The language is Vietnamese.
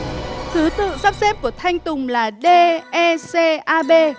thứ tự sắp xếp của thanh tùng là đê e xê a bê